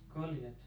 koljat